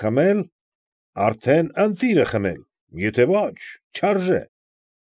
Խմել ֊ արդեն ընտիրը խմել, եթե ոչ ֊ չարժե։